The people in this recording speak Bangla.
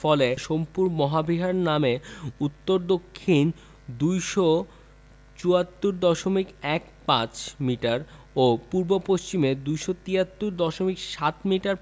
ফলে সোমপুর মহাবিহার নামে উত্তর দক্ষিণে ২৭৪ দশমিক এক পাঁচ মিটার ও পূর্ব পশ্চিমে ২৭৩ দশমিক সাত মিটার